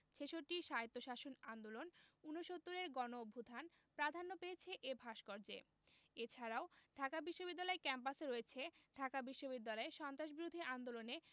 ছেষট্টির স্বায়ত্তশাসন আন্দোলন উনসত্তুরের গণঅভ্যুত্থান প্রাধান্য পেয়েছে এ ভাস্কর্যে এ ছাড়াও ঢাকা বিশ্ববিদ্যালয় ক্যাম্পাসে রয়েছে ঢাকা বিশ্ববিদ্যালয়ে সন্ত্রাসবিরোধী আন্দোলনে